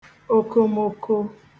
okomoko